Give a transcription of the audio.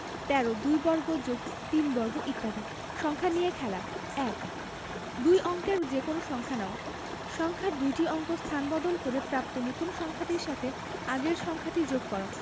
১৩ ২ বর্গ + ৩ বর্গ ইত্যাদি সংখ্যা নিয়ে খেলা ১ দুই অঙ্কের যেকোনো সংখ্যা নাও সংখ্যার অঙ্ক দুইটির স্থান বদল করে প্রাপ্ত নতুন সংখ্যাটির সাথে আগের সংখ্যাটি যোগ কর